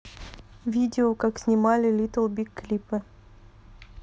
видео как снимали литл биг клипы